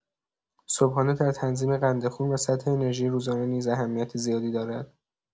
صبحانه در تنظیم قند خون و سطح انرژی روزانه نیز اهمیت زیادی دارد.